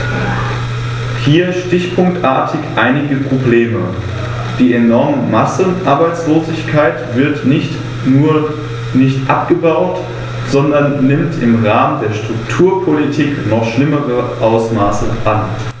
Hier stichpunktartig einige Probleme: Die enorme Massenarbeitslosigkeit wird nicht nur nicht abgebaut, sondern nimmt im Rahmen der Strukturpolitik noch schlimmere Ausmaße an.